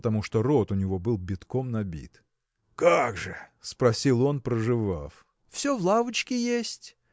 потому что рот у него был битком набит. – Как же? – спросил он, прожевав. – Все в лавочке есть